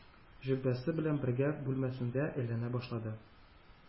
Җөббәсе белән бергә бүлмәсендә әйләнә башлады.